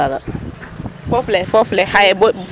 Foof le, foof le,